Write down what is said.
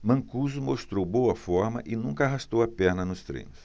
mancuso mostrou boa forma e nunca arrastou a perna nos treinos